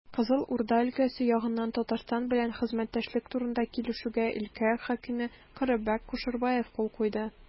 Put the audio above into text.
Кызыл Урда өлкәсе ягыннан Татарстан белән хезмәттәшлек турында килешүгә өлкә хакиме Кырымбәк Кушербаев кул куйды.